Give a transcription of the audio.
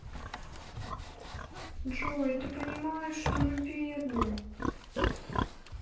джой ты понимаешь что мы бедные